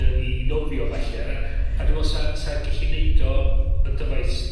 yy i i nofio, falle, a dwi me'wl 'sa 'sa gellu neud o yn dyfais sydd yn